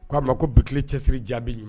K'a ma ko bitu cɛsiri jaabi